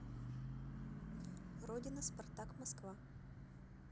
родина спартак москва